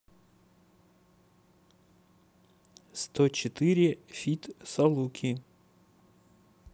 сто четыре feat saluki